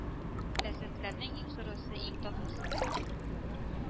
Ләззәтләрнең иң зурысы иң татлысы